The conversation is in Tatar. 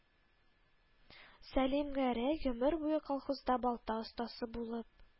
Сәлимгәрәй гомер буе колхозда балта остасы булып